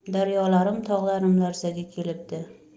daryolarim tog'larim larzaga kelibdi